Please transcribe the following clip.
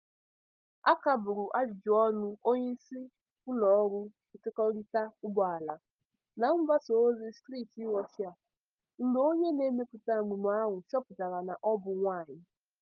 A kagburu ajụjụọnụ onyeisi ụlọọrụ nkekọrịta ụgbọala na mgbasaozi steeti Russia mgbe onye na-emepụta emume ahụ chọpụtara na ọ bụ nwaanyị.